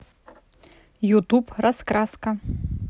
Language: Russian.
ютуб раскраска